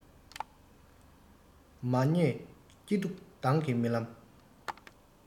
མ ངེས སྐྱིད སྡུག མདང གི རྨི ལམ